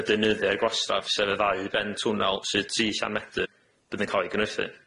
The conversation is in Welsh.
y deunyddiau gwastraff sef y ddau ben twnnel sydd tri chan medr fydd yn ca'l 'i gynyrthu.